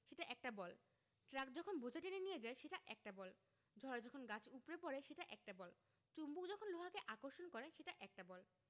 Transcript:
সেটা একটা বল ট্রাক যখন বোঝা টেনে নিয়ে যায় সেটা একটা বল ঝড়ে যখন গাছ উপড়ে পড়ে সেটা একটা বল চুম্বক যখন লোহাকে আকর্ষণ করে সেটা একটা বল